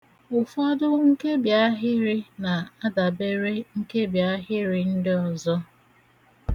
Ụfọdụ nkebiahịrị na-adabere nkebiahịrị ndi ọzọ.